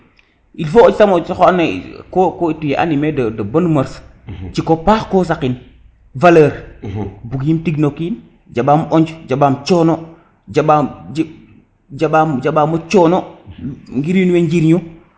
il faut itam o refo oxa ando naye ko tu es animé de bonne moeurs ciko paax ko saqin valeur bugim tig no kiin jambam onj jaɓam cono jambam jambamo cono ngir wiin we njirñu